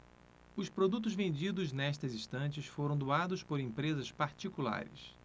os produtos vendidos nestas estantes foram doados por empresas particulares